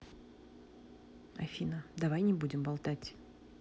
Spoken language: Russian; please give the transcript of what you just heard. афина давай не будем болтать